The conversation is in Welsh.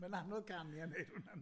Ma'n anodd canu a neud hwnna yndi?